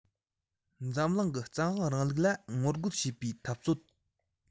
འཛམ གླིང གི བཙན དབང རིང ལུགས ལ ངོ རྒོལ བྱེད པའི འཐབ རྩོད